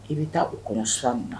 I bɛ taa o kɔnɔ siran na